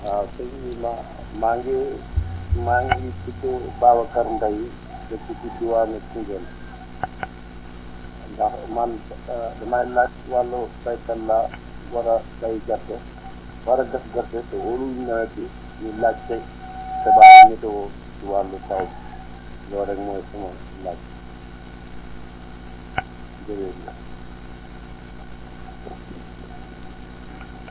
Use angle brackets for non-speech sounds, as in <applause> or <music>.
waaw sëñ bi ma maa ngi <noise> maa ngi <noise> tudd Babacar Mbaye dëkk si diwaanu Koungheul <noise> ndax man <hesitation> damaa nag wàllu béykat laa war a béy gerte war a def gerte te wóolu wu ñu nawet bi ñuy laajte <noise> ko daal météo si wàllu taw bi loolu rek mooy suñu laaj <noise> jërë ngeen jëf <noise>